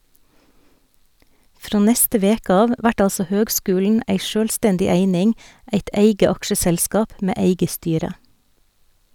Frå neste veke av vert altså høgskulen ei sjølvstendig eining, eit eige aksjeselskap med eige styre.